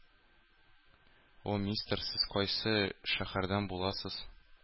О, мистер, сез кайсы шәһәрдән буласыз?